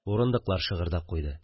Урындыклар шыгырдап куйды